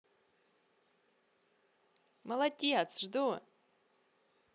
молодец жду